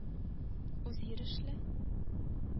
Үзйөрешле